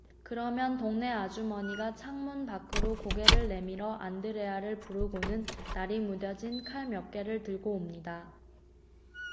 그러면 동네 아주머니가 창문 밖으로 고개를 내밀어 안드레아를 부르고는 날이 무뎌진 칼 몇 개를 들고 옵니다